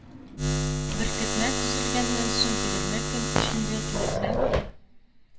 Беркетмә төзелгәннән соң егерме көн эчендә түләсәң,